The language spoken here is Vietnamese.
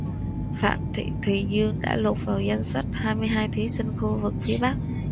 phạm thị thùy dương đã lọt vào danh sách hai mươi hai thí sinh khu vực phía bắc